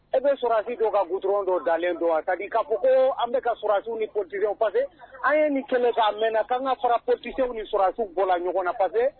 E bɛ surasi don ka bu dɔrɔn dɔw dalenlen don ka ka ko ko an bɛ ka srasiw ni kodi pase an ye ni kɛlɛ k'a mɛnna'an ka fara kotise ni surasi bɔ ɲɔgɔn na pase